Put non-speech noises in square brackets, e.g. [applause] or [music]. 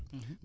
[hesitation] [hesitation]